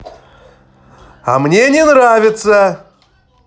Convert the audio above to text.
а мне не нравится